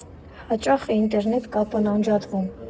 Հաճա՞խ է ինտերնետ կապն անջատվում։